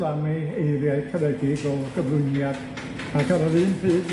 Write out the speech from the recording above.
###am ei eiriau caredig o gyflwyniad, ac ar yr un pryd,